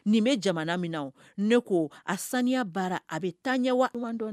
Nin bɛ jamana min na o, ne ko a saniya baara a bɛ taaɲɛ wa